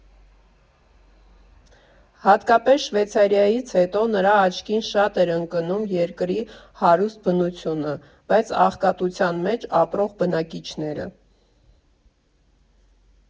Հատկապես Շվեյցարիայից հետո նրա աչքին շատ էր ընկնում երկրի հարուստ բնությունը, բայց աղքատության մեջ ապրող բնակիչները։